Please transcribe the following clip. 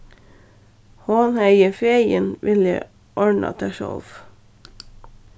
hon hevði fegin viljað orðnað tað sjálv